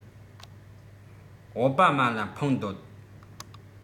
ཨའོ པ མ ལ འཕངས འདོད